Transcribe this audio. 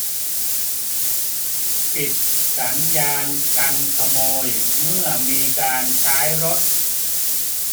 ปิดสัญญาณการขโมยเมื่อมีการใช้รถ